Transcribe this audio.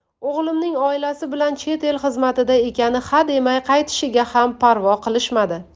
o'g'limning oilasi bilan chet el xizmatida ekani hademay qaytishiga ham parvo qilishmadi